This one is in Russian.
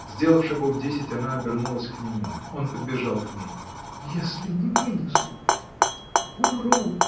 Сделав шагов десять, она обернулась к нему. Он подбежал к ней. — Если не вынесу. умру.